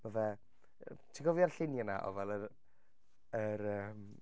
Ma' fe... Ti'n cofio'r lluniau 'na o fel yr... yr yym...